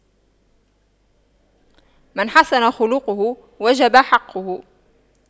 من حسن خُلقُه وجب حقُّه